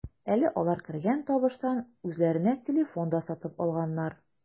Әле алар кергән табыштан үзләренә телефон да сатып алганнар.